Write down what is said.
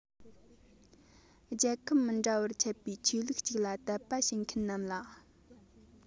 རྒྱལ ཁབ མི འདྲ བར ཁྱབ པའི ཆོས ལུགས གཅིག ལ དད པ བྱེད མཁན རྣམས ལ